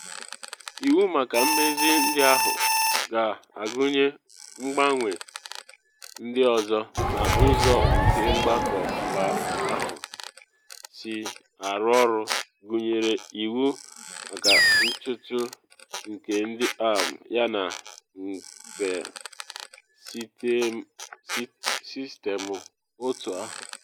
Iwu maka mmezi ndị ahụ ga-agụnye mgbanwe ndị ọzọ n’ụzọ nke mgbakọ mba ahụ si arụ ọrụ, gụnyere iwu maka nchutu nke ndị AM yana nka nke sistemụ otu ahụ.